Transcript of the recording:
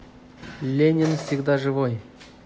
ленин всегда живой